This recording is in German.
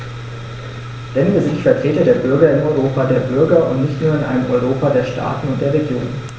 Denn wir sind die Vertreter der Bürger im Europa der Bürger und nicht nur in einem Europa der Staaten und der Regionen.